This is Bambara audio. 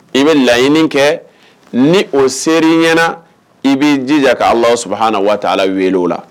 I bɛ laɲiniini kɛ ni o se ɲɛna i bɛ jija ka ala sɔrɔ ha na waati ala wele o la